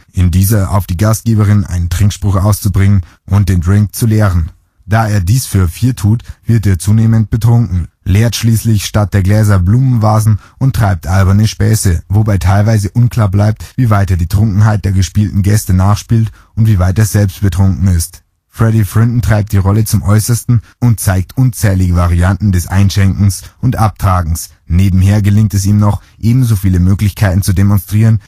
in dieser auf die Gastgeberin einen Trinkspruch auszubringen und den Drink zu leeren. Da er das für vier tut, wird er zunehmend betrunken, leert schließlich statt der Gläser Blumenvasen und treibt albernste Späße, wobei teilweise unklar bleibt, wie weit er die Trunkenheit der gespielten Gäste nachspielt und wie weit er selbst betrunken ist. Freddy Frinton treibt die Rolle zum Äußersten und zeigt unzählige Varianten des Einschenkens und Abtragens; nebenher gelingt es ihm noch, ebensoviele Möglichkeiten zu demonstrieren